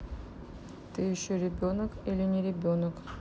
ты еще ребенок или не ребенок